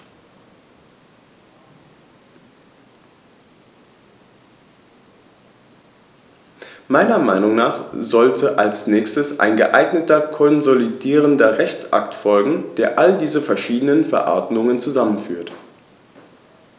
Meiner Meinung nach sollte als nächstes ein geeigneter konsolidierender Rechtsakt folgen, der all diese verschiedenen Verordnungen zusammenführt.